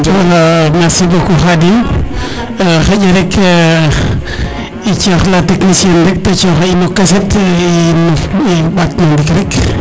wala merci beaucoup Khadim xaƴa rek i coox la technicienne rek te coxa in o kaset i ɓaat no ndik rek